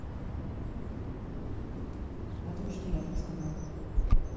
потому что я так сказал